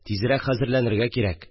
Тизрәк хәзерләнергә кирә